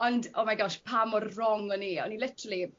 Ond oh my gosh pa mor rong o'n i o'n i literally